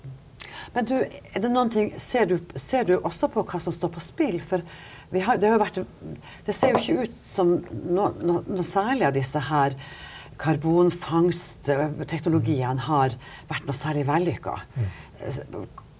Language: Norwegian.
men du er det noen ting ser du ser du også på hva som står på spill for vi har det har jo vært det ser jo ikke ut som noe noe noe særlig av disse her karbonfangstteknologiene har vært noe særlig vellykka.